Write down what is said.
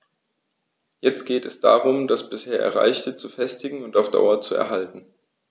Jetzt geht es darum, das bisher Erreichte zu festigen und auf Dauer zu erhalten.